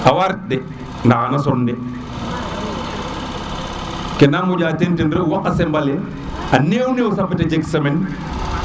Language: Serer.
a wa ret de nda xana son de kena moƴa teen ten refu a sembale a neew neew fata jeg semaine